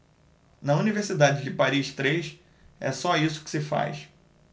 na universidade de paris três é só isso que se faz